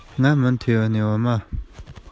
མགྱོགས ཤིག ཤིག གིས རྔ བཞིན འདུག